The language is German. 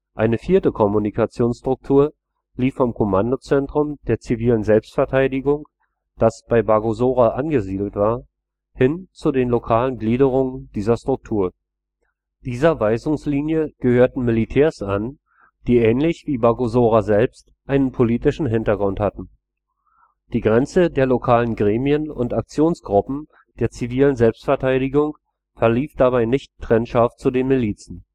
Eine vierte Kommunikationsstruktur lief vom Kommandozentrum der „ zivilen Selbstverteidigung “, das bei Bagosora angesiedelt war, hin zu den lokalen Gliederungen dieser Struktur. Dieser Weisungslinie gehörten Militärs an, die ähnlich wie Bagosora selbst einen politischen Hintergrund hatten. Die Grenze der lokalen Gremien und Aktionsgruppen der „ zivilen Selbstverteidigung “verlief dabei nicht trennscharf zu den Milizen